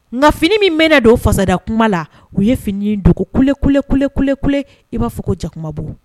Nka fini min bɛna don fasadakuma la, u ye fini in dogo kulekulekule i b'a fɔ ko jakumabo